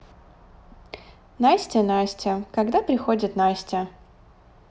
настя настя когда приходит настя